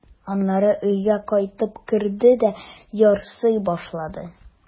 Аннары өйгә кайтып керде дә ярсый башлады.